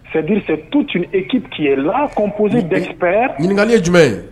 Fedri tu tuneki tilee la ko poliosi dɛsɛp ɲininkakalilen ye jumɛn ye